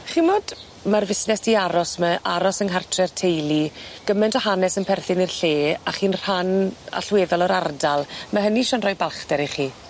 Chimod ma'r fusnes 'di aros 'ma aros yng nghartre'r teulu gyment o hanes yn perthyn i'r lle a chi'n rhan allweddol o'r ardal ma' hynny sîwr 'n roi balchder i chi.